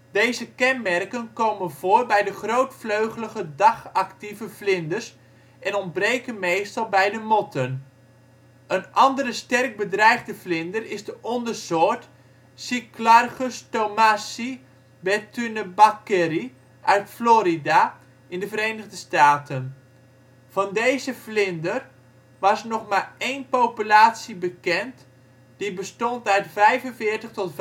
Deze kenmerken komen voor bij de grootvleugelige dagactieve vlinders en ontbreken meestal bij de motten. Een andere sterk bedreigde vlinder is de ondersoort Cyclargus thomasi bethunebakeri uit Florida, USA. Van deze vlinder was nog maar één populatie bekend die bestond uit 45 tot